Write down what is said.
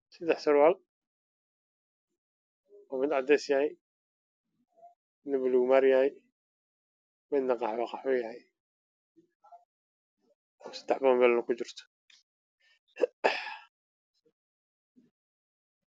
Meeshaan waxaa ka muuqdo sadex surwaal